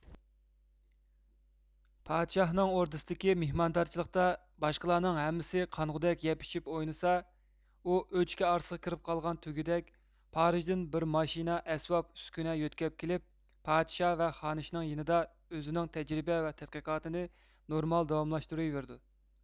پادىشاھنىڭ ئوردىسىدىكى مېھماندارچىلىقتا باشقىلارنىڭ ھەممىسى قانغۇەك يەپ ئىچىپ ئوينىسا ئۇ ئۆچكە ئارىسىغا كىرىپ قالغان تۆگىدەك پارىژدىن بىر ماشىنا ئەسۋاب ئۈسكۈنە يۆتكەپ كېلىپ پادىشاھ ۋە خانىشنىڭ يېنىدا ئۆزىنىڭ تەجرىبە ۋە تەتقىقاتىنى نورمال داۋاملاشتۇرىۋېرىدۇ